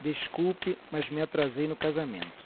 desculpe mas me atrasei no casamento